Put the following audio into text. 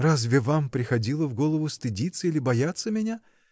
Разве вам приходило в голову стыдиться или бояться меня?